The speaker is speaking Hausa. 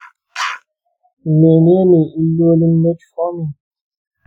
mene ne illolin metformin?